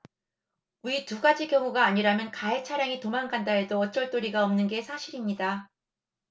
위 두 가지 경우가 아니라면 가해차량이 도망간다 해도 어쩔 도리가 없는 게 사실입니다